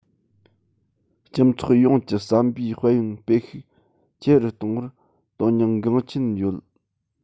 སྤྱི ཚོགས ཡོངས ཀྱི བསམ པའི དཔལ ཡོན སྤེལ ཤུགས ཆེ རུ གཏོང བར དོན སྙིང འགངས ཆེན ཡོད